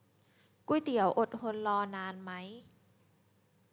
ก๋วยเตี๋ยวอดทนรอนานไหม